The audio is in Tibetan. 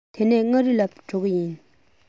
དེ ནས མངའ རིས ལ འགྲོ གི ཡིན